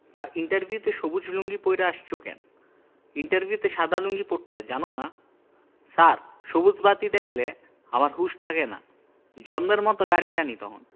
তা ইন্টারভিউ তে সবুজ লুঙ্গি পইড়া আসছো কেন ইন্টারভিউতে সাদা লুঙ্গি পড়তে হয় জানো না ছার সবুজ বাতি দ্যাখলে আমার হুশ থাহেনা জম্মের মত গাড়ি টানি তহন